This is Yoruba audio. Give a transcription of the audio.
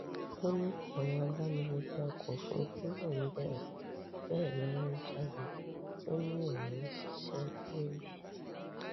Ó ní àwọn abániṣíṣẹ́ ọkọ̀-òfúrufú náà ń bẹ̀rù, bẹ́ẹ̀ni wọ́n ń jágbe. Ó ní òun ṣìṣe lórí.